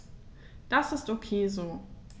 Das ist ok so.